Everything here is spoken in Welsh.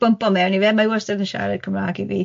bwmpo mewn i fe, mae wastad yn siarad Cymrâg i fi